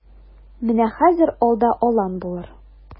Менә хәзер алда алан булыр.